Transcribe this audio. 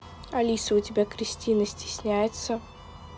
алиса у тебя kristina стесняется